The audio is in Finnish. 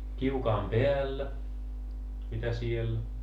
kiukaan päällä mitä siellä